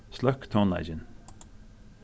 sløkk tónleikin